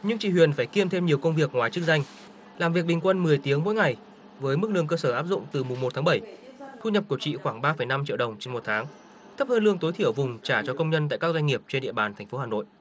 nhưng chị huyền phải kiêm thêm nhiều công việc ngoài chức danh làm việc bình quân mười tiếng mỗi ngày với mức lương cơ sở áp dụng từ mùng một tháng bảy thu nhập của chị khoảng ba phẩy năm triệu đồng trên một tháng thấp hơn lương tối thiểu vùng trả cho công nhân tại các doanh nghiệp trên địa bàn thành phố hà nội